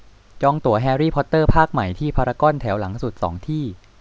จองตั๋วแฮรี่พอตเตอร์ภาคใหม่ที่พารากอนแถวหลังสุดสองที่